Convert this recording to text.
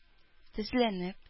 Тезләнеп